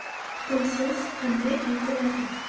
bu so'z qanday aytiladi